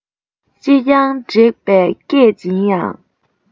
ཅེ སྤྱང དྲེགས པས སྐད འབྱིན ཡང